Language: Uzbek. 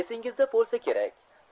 esingizda bo'lsa kerak